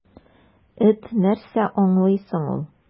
Эт нәрсә аңлый соң ул!